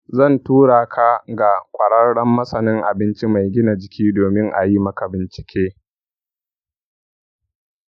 zan tura ka ga ƙwararren masanin abinci mai gina jiki domin a yi maka bincike.